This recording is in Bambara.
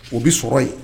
O bɛ sɔrɔ yen